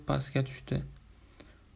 pastga tushdi